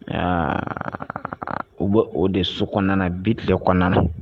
Aaa u be o de sokɔɔna na bi tile kɔɔna na